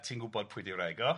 A ti'n gwbod pwy di wraig o?